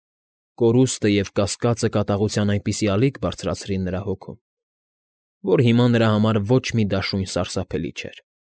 Կորուստը և կասկածը կատաղության այնպիսի ալիք բարձրացրին նրա հոգում, որ հիմա նրա համար ոչ մի դաշույն սարսափելի չէր։